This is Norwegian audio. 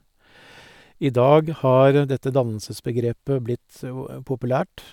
I dag har dette dannelsesbegrepet blitt oe populært.